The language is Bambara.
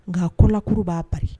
Nka kokuru b'a pari